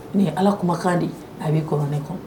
N' ye ala kumakan de a b'i kɔrɔɛ kɔ